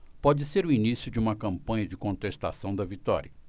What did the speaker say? pode ser o início de uma campanha de contestação da vitória